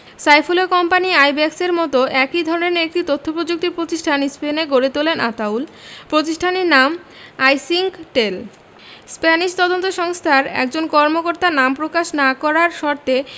সাইফুলের কোম্পানি আইব্যাকসের মতো একই ধরনের একটি তথ্যপ্রযুক্তি প্রতিষ্ঠান স্পেনে গড়ে তোলেন আতাউল প্রতিষ্ঠানটির নাম আইসিংকটেল স্প্যানিশ তদন্ত সংস্থার একজন কর্মকর্তা নাম প্রকাশ না করার শর্তে